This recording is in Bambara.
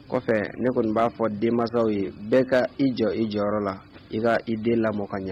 Kɔfɛ ne kɔni b'a fɔ denmansaw ye bɛɛ ka i jɔ i jɔyɔrɔ la i ka i den lamɔ ka ɲɛ